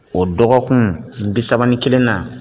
O dɔgɔkun 31 nan.